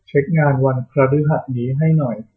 เช็คงานวันพฤหัสนี้ให้หน่อย